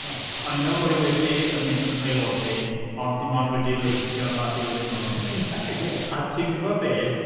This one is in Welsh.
O'n i'n meddwl bod fi wedi ym- ymaelodi ond dim ond wedi licio nhw a dilyn nhw o'n i 'di wneud... Ie. ...A ti'n gwybod be?